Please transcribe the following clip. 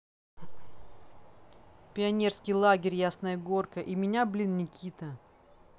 пионерский лагерь ясная горка и меня блин никита